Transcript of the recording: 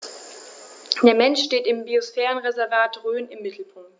Der Mensch steht im Biosphärenreservat Rhön im Mittelpunkt.